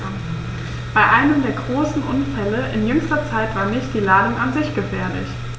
Bei einem der großen Unfälle in jüngster Zeit war nicht die Ladung an sich gefährlich.